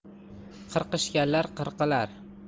qirqishganlar qirqilar